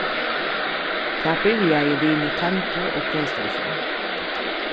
tað byrjaði við nintendo og playstation